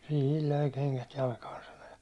siihen löi kengät jalkaan sanoi ja